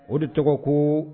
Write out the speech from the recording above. O de tɔgɔ ko